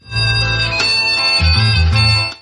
San